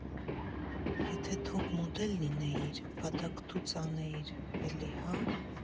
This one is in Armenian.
Եթե թոփ մոդել լինեյիր, բադակտուց անեյիր, էլի հա…